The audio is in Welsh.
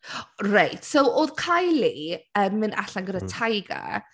Reit. So oedd Kylie yn mynd allan gyda Tyga.